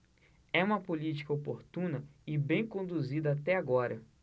é uma política oportuna e bem conduzida até agora